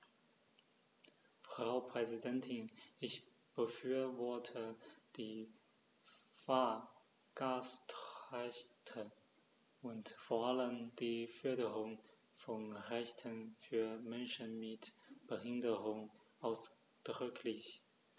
Frau Präsidentin, ich befürworte die Fahrgastrechte und vor allem die Förderung von Rechten für Menschen mit Behinderung ausdrücklich.